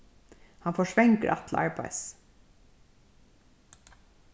hann fór svangur aftur til arbeiðis